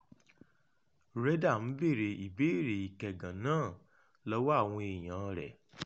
Reyder ń béèrè ìbéèrè ìkẹ́gàn náà lọ́wọ́ àwọn èèyàn-an rẹ̀.